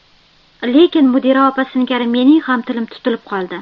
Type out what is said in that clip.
lekin mudira opa singari mening ham tilim tutilib qoldi